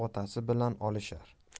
otasi bilan olishar